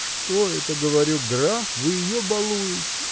Что это, говорю, граф, вы ее балуете?